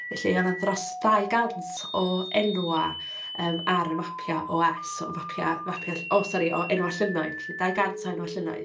Felly, oedd 'na dros 200 o enwau yym ar y mapiau OS, o fapiau... mapiau... o - sori - o enwau llynnoedd, felly 200 o enwau llynnoedd.